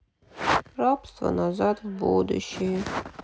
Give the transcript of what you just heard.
рабство назад в будущее